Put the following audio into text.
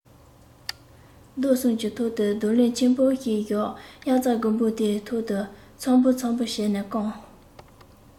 རྡོ གསུམ གྱི ཐོག ཏུ རྡོ ལེབ ཆེན པོ ཞིག བཞག དབྱར རྩྭ དགུན འབུ དེའི ཐོག ཏུ ཚོམ བུ ཚོམ བུར བྱས ནས བསྐམས